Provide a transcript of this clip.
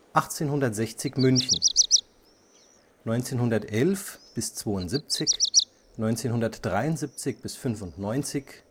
1860 München: 1911 – 72, 1973 – 95